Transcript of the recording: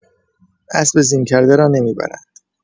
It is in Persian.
اسب زین کرده را نمی‌برند!